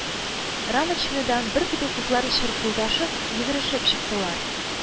Рамочныйдан бер көтү кызлар чыркылдашып, йөгерешеп чыктылар